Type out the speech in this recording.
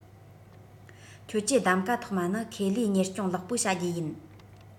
ཁྱོད ཀྱི གདམ ག ཐོག མ ནི ཁེ ལས གཉེར སྐྱོང ལེགས པོ བྱ རྒྱུ ཡིན